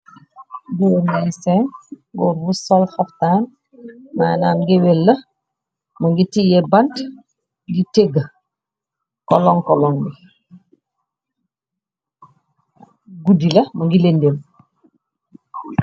Gorre ngai sehnn, gorre gu sol khaftan, manam geuwel la, mungy tiyeh bantu dii tehgah, kolong kolong bii, gudi la mungy leundem.